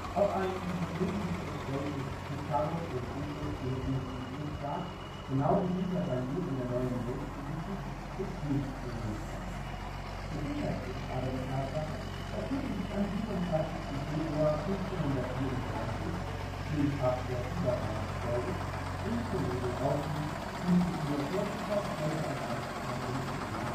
Ob ein persönliches Gespräch mit Pizarro den Anstoß für Huttens Entschluss gab, genau wie dieser sein Glück in der Neuen Welt zu suchen, ist nicht belegbar. Gesichert ist aber die Tatsache, dass Hutten sich am 27. Februar 1534, dem Tag der Übergabe des Goldes, in Toledo aufhielt und sich nur kurze Zeit später entschloss, nach Venezuela